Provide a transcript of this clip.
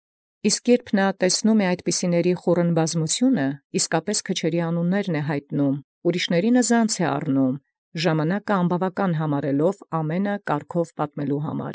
Իսկ իբրև հայեցեալ ի բազմախուռն գումարութիւն արդարոցն՝ զսակաւուցն զանուանս յայտ առնէ, և զայլովք ևս զանց առնէ, անբաւական զժամանակն առ ի կարգի պատմելոյ։